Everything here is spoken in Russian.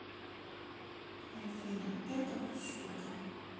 афина это в шоке